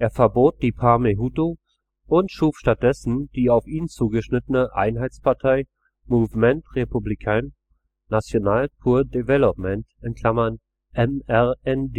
verbot die Parmehutu und schuf stattdessen die auf ihn zugeschnittene Einheitspartei Mouvement républicain national pour le développement (MRND